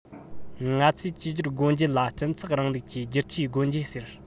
ང ཚོས བསྒྱུར བཅོས སྒོ འབྱེད ལ སྤྱི ཚོགས རིང ལུགས ཀྱི བསྒྱུར བཅོས སྒོ འབྱེད ཟེར